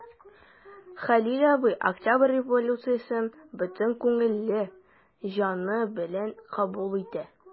Хәлил абый Октябрь революциясен бөтен күңеле, җаны белән кабул итә.